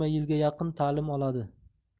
yigirma yilga yaqin ta'lim oladi